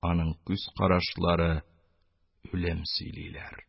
Аның күз карашлары үлем сөйлиләр.